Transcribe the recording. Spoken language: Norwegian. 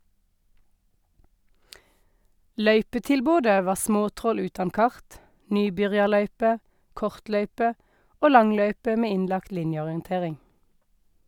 Løypetilbodet var småtroll utan kart, nybyrjarløype, kortløype og langløype med innlagt linjeorientering.